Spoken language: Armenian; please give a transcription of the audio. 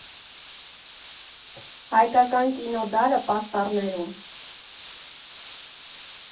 Հայկական կինոդարը պաստառներում։